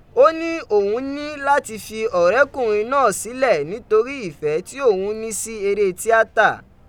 O ni oun ni lati fi ọrẹkunrin naa silẹ nitori ifẹ ti oun ni si ere tiata.